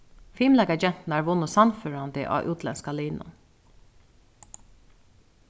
fimleikagenturnar vunnu sannførandi á útlendska liðnum